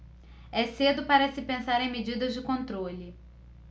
é cedo para se pensar em medidas de controle